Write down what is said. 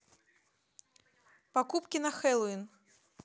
покупки на хэллоуин